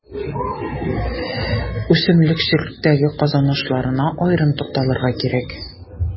Үсемлекчелектәге казанышларына аерым тукталырга кирәк.